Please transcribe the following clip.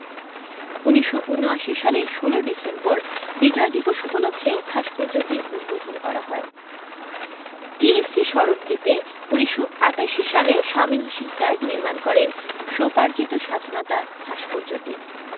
১৯৭৯ সালের ১৬ ডিসেম্বর বিজয় দিবস উপলক্ষে ভাস্কর্যটি উদ্বোধন করা হয় টিএসসি সড়ক দ্বীপে ১৯৮৮ সালে শামীম শিকদার নির্মাণ করেন স্বোপার্জিত স্বাধীনতা ভাস্কর্যটি